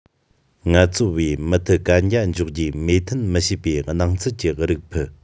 ངལ རྩོལ པས མུ མཐུད གན རྒྱ འཇོག རྒྱུའི མོས མཐུན མི བྱེད པའི སྣང ཚུལ གྱི རིགས ཕུད